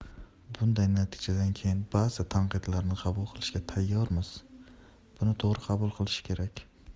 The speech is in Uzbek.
bunday natijadan keyin ba'zi tanqidlarni qabul qilishga tayyormisiz buni to'g'ri qabul qilish kerak